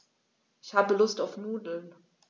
Ich habe Lust auf Nudeln.